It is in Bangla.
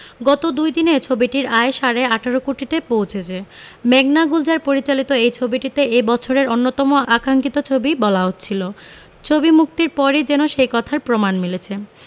গত দুই দিনে ছবিটির আয় সাড়ে ১৮ কোটিতে পৌঁছেছে মেঘনা গুলজার পরিচালিত এই ছবিটিতে এই বছরের অন্যতম আকাঙ্খিত ছবি বলা হচ্ছিল ছবি মুক্তির পরই যেন সেই কথার প্রমাণ মিলেছে